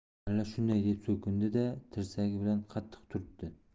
malla shunday deb so'kindi da tirsagi bilan qattiq turtdi